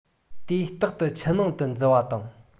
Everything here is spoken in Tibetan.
དེ རྟག ཏུ ཆུ ནང དུ འཛུལ བ དང